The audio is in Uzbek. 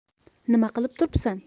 nima qilib turibsan